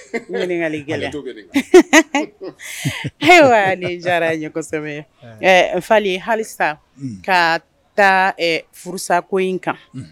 Diyara ɲɛ kosɛbɛ fa hali ka taa furusako in kan